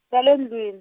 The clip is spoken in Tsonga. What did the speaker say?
ra le ndlwin-.